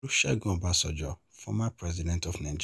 Olusegun Obasanjo, former President of Nigeria.